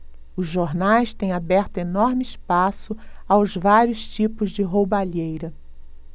os jornais têm aberto enorme espaço aos vários tipos de roubalheira